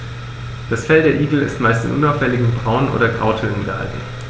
Das Fell der Igel ist meist in unauffälligen Braun- oder Grautönen gehalten.